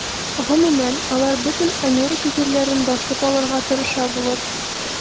Гомумән, алар бөтен Америка җирләрен басып алырга тырыша булыр.